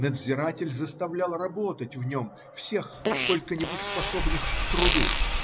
Надзиратель заставлял работать в нем всех сколько-нибудь способных к труду